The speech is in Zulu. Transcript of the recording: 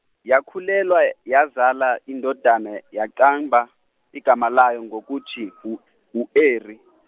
yakhulelwa, yazala indodana, yaqamba igama layo ngokuthi, u, u Eri.